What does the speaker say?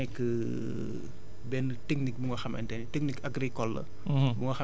dafa nekk benn technique bu nga xamante ne technique agricole la